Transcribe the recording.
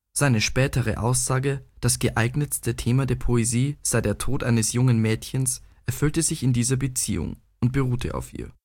Seine spätere Aussage, geeignetstes Thema der Poesie sei der Tod eines jungen Mädchens, erfüllte sich in dieser Beziehung und beruhte auf ihr